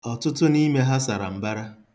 Ọtụtụ n'ime ha sara mbara.